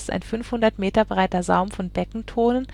ein 500 m breiter Saum von Beckentonen